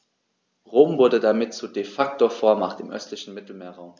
Rom wurde damit zur ‚De-Facto-Vormacht‘ im östlichen Mittelmeerraum.